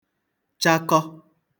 chakọ